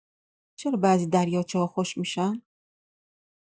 چرا بعضی دریاچه‌ها خشک می‌شن؟